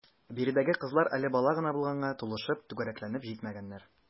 Биредәге кызлар әле бала гына булганга, тулышып, түгәрәкләнеп җитмәгәннәр.